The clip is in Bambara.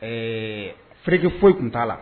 Ɛɛ fɛrɛjɛ foyi tun t'a la